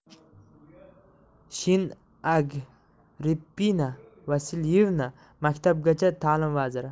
shin agrippina vasilyevna maktabgacha ta'lim vaziri